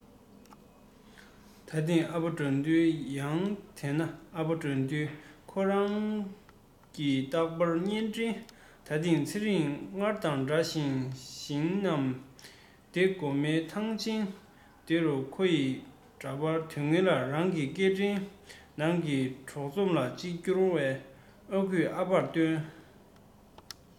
ད ཐེངས ཨ ཕ དགྲ འདུལ ཡང དེ ན ཨ ཕ དགྲ འདུལ ཁོ རང ཉིད ཀྱི རྟག པར བརྙན འཕྲིན ད ཐེངས ཚེ རིང སྔར དང འདྲ ཞིང ཞིང གནམ བདེ སྒོ མོའི ཐང ཆེན དེ རུ ཁོ ཡི འདྲ པར དེ སྔོན ལ རང གི སྐད འཕྲིན ནང གི གྲོགས ཚོམ ལ གཅིག བསྐུར བ ཨ ཁུས ཨ ཕར སྟོན